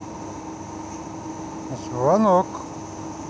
звонок